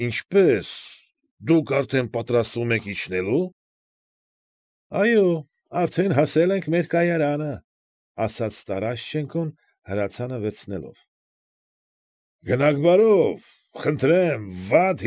Ինչպե՞ս, դուք արդեն պատրաստվում եք իջնելո՞ւ։ ֊ Այո, արդեն հասել ելք մեր կայարանը,֊ ասաց Տարաշչենկոն, հրացանը վերցնելով։ ֊ Գնացեք բարով, խնդրեմ վատ։